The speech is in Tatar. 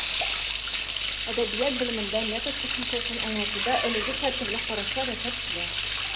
Әдәбият белемендә метод төшенчәсен аңлатуда әлегәчә төрле карашлар яшәп килә.